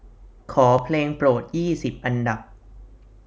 ขอเพลงโปรดยี่สิบอันดับ